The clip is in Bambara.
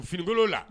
Finibolo la